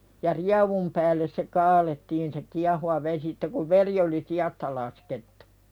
ja rievun päälle se kaadettiin se kiehuva vesi sitten kun veri oli siasta laskettu